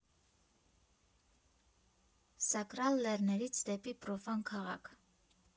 ՍԱԿՐԱԼ ԼԵՌՆԵՐԻՑ ԴԵՊԻ ՊՐՈՖԱՆ ՔԱՂԱՔ.